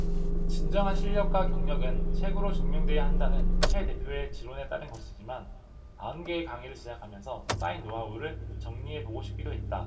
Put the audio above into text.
진정한 실력과 경력은 책으로 증명돼야 한다는 최 대표의 지론에 따른 것이지만 아흔 개의 강의를 제작하면서 쌓인 노하우를 정리해보고 싶기도 했다